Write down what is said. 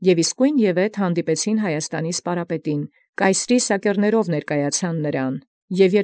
Եւ անդէն վաղվաղակի պատահեալ սպարապետին Հայոց, հանդերձ սակերաւք կայսեր յանդիման լինէին։